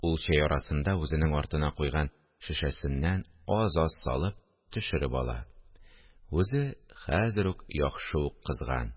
Ул чәй арасында үзенең артына куйган шешәсеннән аз-аз салып, «төшереп ала», үзе хәзер үк яхшы ук кызган